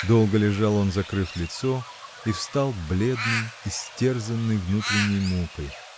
Долго лежал он, закрыв лицо, и встал бледный, истерзанный внутренней мукой.